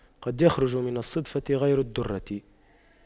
قد يخرج من الصدفة غير الدُّرَّة